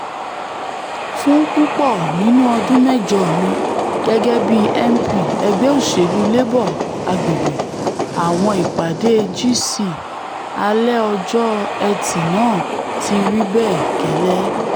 Fún púpọ̀ nínú ọdún mẹ́jọ mi gẹ́gẹ́bí MP ẹgbẹ́ òṣèlú Labour agbègbè, àwọn ìpàdé GC àlẹ́ ọjọ́ Ẹtì náà ti rí bẹ́ẹ̀ gẹ́lẹ́.